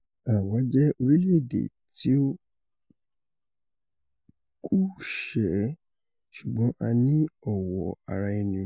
“Àwá jẹ́ orílẹ̀-èdè tí ò kúùṣẹ́, ṣ̵ùgbọ́n a ní ọ̀wọ̀ ara-ẹni.